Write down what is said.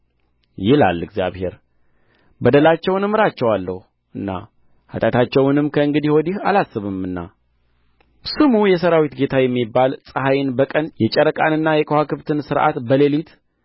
ይላል እግዚአብሔር በደላቸውን እምራቸዋለሁና ኃጢአታቸውንም ከእንግዲህ ወዲህ አላስብምና ስሙ የሠራዊት ጌታ የሚባል ፀሐይን በቀን የጨረቃንና የከዋክብትን ሥርዓት በሌሊት